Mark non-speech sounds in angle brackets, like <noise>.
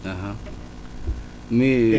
<hesitation> <hesitation>